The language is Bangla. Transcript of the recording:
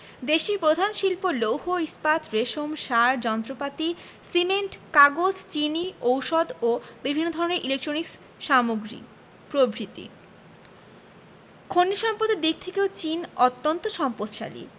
দেশটির প্রধান শিল্প লৌহ ইস্পাত রেশম সার যন্ত্রপাতি সিমেন্ট কাগজ চিনি ঔষধ ও বিভিন্ন ধরনের ইলেকট্রনিক্স সামগ্রী প্রভ্রিতি খনিজ সম্পদের দিক থেকেও চীন অত্যন্ত সম্পদশালী